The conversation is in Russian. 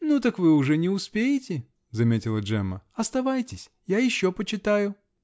-- Ну, так вы уже не успеете, -- заметила Джемма, -- оставайтесь. я еще почитаю.